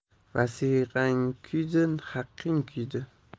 vasiqang kuydi haqqing kuydi